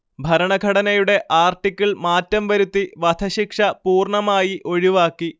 ഭരണഘടനയുടെ ആർട്ടിക്കിൾ മാറ്റം വരുത്തി വധശിക്ഷ പൂർണ്ണമായി ഒഴിവാക്കി